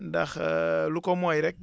ndax lu ko moy rek